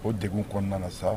O degu kɔɔna na saa